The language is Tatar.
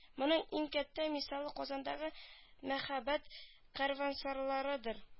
Моның иң кәттә мисалы казандагы мәһабәт кәрвансарайлардыр